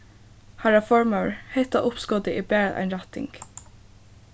harra formaður hetta uppskotið er bara ein rætting